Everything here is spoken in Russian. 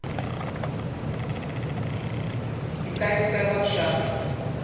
китайская лапша